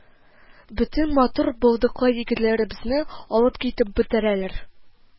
Бөтен матур, булдыклы егетләребезне алып китеп бетерәләр